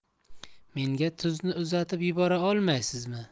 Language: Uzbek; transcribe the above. menga tuzni uzatib yubora olmaysizmi